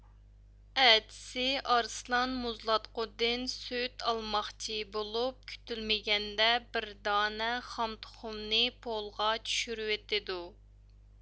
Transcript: ئەتىسى ئارسلان مۇزلاتقۇدىن سۈت ئالماقچى بولۇپ كۈتۈلمىگەندە بىر دانە خام تۇخۇمنى پولغا چۈشۈرۈۋېتىدۇ